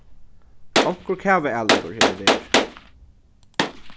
onkur kavaælingur hevur verið